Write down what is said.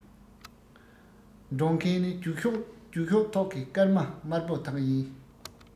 འགྲོགས མཁན ནི རྒྱུགས ཤོག རྒྱུགས ཤོག ཐོག གི སྐར མ དམར པོ དག ཡིན